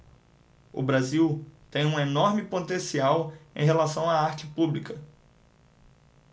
o brasil tem um enorme potencial em relação à arte pública